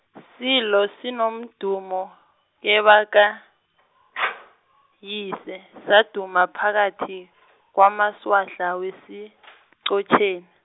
Silo sinomdumo, kebakayise, saduma phakathi, kwamaswahla weSichotjeni.